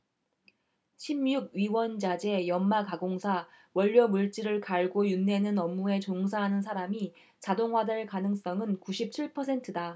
십 육 위원자재 연마 가공사 원료물질을 갈고 윤내는 업무에 종사하는 사람이 자동화될 가능성은 구십 칠 퍼센트다